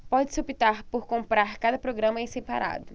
pode-se optar por comprar cada programa em separado